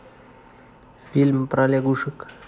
фильм про лягушек